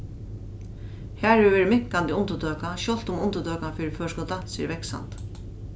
har hevur verið minkandi undirtøka sjálvt um undirtøkan fyri føroyskum dansi er vaksandi